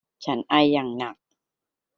ฉันไออย่างหนัก